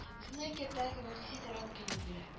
Үзеңне әкияттәге көбек хис итәргә мөмкинлек бирә